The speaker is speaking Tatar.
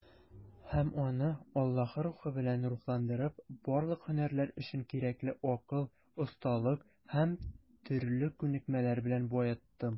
Һәм аны, Аллаһы Рухы белән рухландырып, барлык һөнәрләр өчен кирәкле акыл, осталык һәм төрле күнекмәләр белән баеттым.